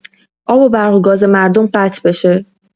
آب و برق و گاز مردم قطع بشه.